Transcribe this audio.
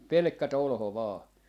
pelkkä tolho vain